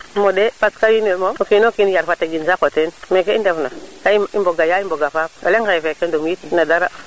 meɗe parce que wiin we moom o kino kiin yar fo teegin saqo teen meke i ndef na ka i mboga yaay mboga faap o leŋ xeefe kenum yit no dara